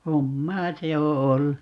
hommaa se on ollut